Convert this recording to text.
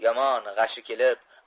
yomon g'ashi kelib